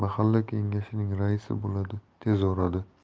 mahalla kengashining raisi bo'ladi tez orada